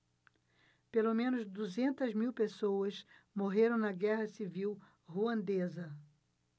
pelo menos duzentas mil pessoas morreram na guerra civil ruandesa